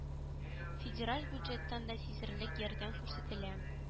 Федераль бюджеттан да сизелерлек ярдәм күрсәтелә